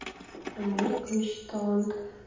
америка ищет таланты